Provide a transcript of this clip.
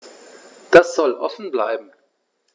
Das soll offen bleiben.